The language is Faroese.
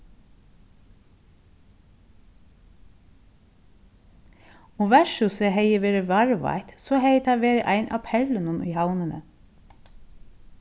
um vertshúsið hevði verið varðveitt so hevði tað verið ein av perlunum í havnini